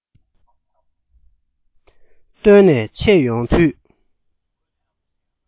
བརྟོལ ནས མཆེད ཡོང དུས